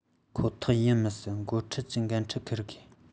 ཁོ ཐག ཡིན མི སྲིད འགོ ཁྲིད ཀྱི འགན འཁྲི འཁུར དགོས